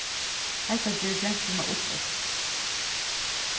hetta ger gentuna uppøsta